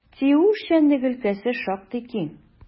ТИҮ эшчәнлеге өлкәсе шактый киң.